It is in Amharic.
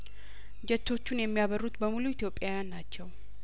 ጀቶቹን የሚያበሩት በሙሉ ኢትዮጵያውያን ናቸው